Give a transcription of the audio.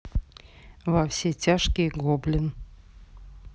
во все тяжкие гоблин